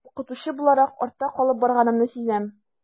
Укытучы буларак артта калып барганымны сизәм.